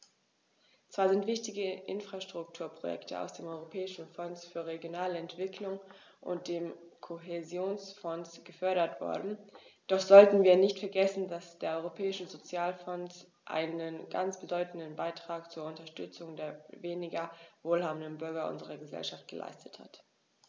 Zwar sind wichtige Infrastrukturprojekte aus dem Europäischen Fonds für regionale Entwicklung und dem Kohäsionsfonds gefördert worden, doch sollten wir nicht vergessen, dass der Europäische Sozialfonds einen ganz bedeutenden Beitrag zur Unterstützung der weniger wohlhabenden Bürger unserer Gesellschaft geleistet hat.